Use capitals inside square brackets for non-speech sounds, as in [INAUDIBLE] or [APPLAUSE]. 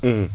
[HESITATION] [HESITATION]